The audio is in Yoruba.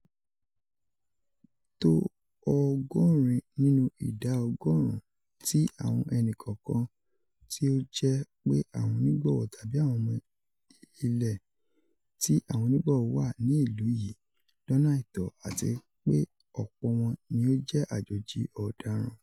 "O to 80 nínú ida ọgọrun ti awọn ẹni-kọọkan ti o jẹ pe awọn onigbọwọ tabi awọn ọmọ ile ti awọn onigbọwọ wa ni ilu yii lọna aitọ, ati peọpọ wọn ni o jẹ ajoji ọdaran.